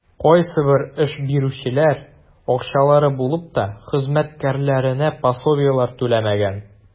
Кайсыбер эш бирүчеләр, акчалары булып та, хезмәткәрләренә пособиеләр түләмәгән.